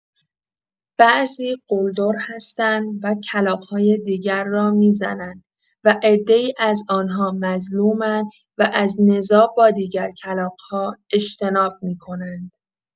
بعضی قلدر هستند و کلاغ‌های دیگر را می‌زنند و عده‌ای از آن‌ها مظلوم‌اند و از نزاع با دیگر کلاغ‌ها اجتناب می‌کنند.